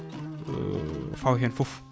fawa hen foof